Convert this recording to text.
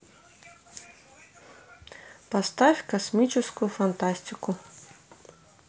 поставь космическую фантастику